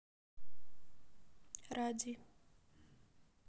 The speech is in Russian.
ради